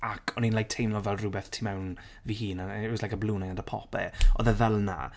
Ac o'n i'n like teimlo fel rhywbeth tu mewn fy hun. Yy it was like a balloon I had to pop it. Oedd e fel 'na.